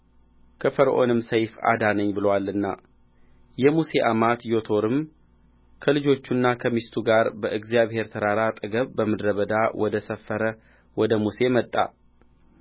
ከፈርዖንም ሰይፍ አዳነኝ ብሎአልና የሙሴ አማት ዮቶርም ከልጆቹና ከሚስቱ ጋር በእግዚአብሔር ተራራ አጠገብ በምድረ በዳ ወደ ሰፈረ ወደ ሙሴ መጣ